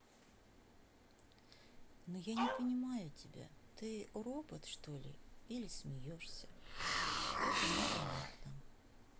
но я не понимаю тебя ты робот чтоли или смеешься это непонятно